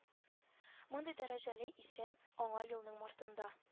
Мондый дәрәҗәле исем аңа елның мартында